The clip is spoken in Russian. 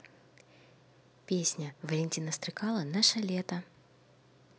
песня валентина стрыкало наше лето